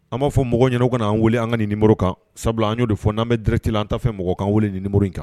An b'a fɔ mɔgɔ ɲɛna u kan'an wele an ka ni numero kan sabula an y'o de fɔ n'an bɛ direct la an ta'a fɛ mɔgɔ k'an wele nin numero kan